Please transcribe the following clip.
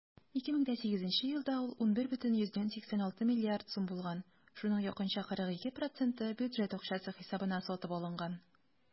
2008 елда ул 11,86 млрд. сум булган, шуның якынча 42 % бюджет акчасы хисабына сатып алынган.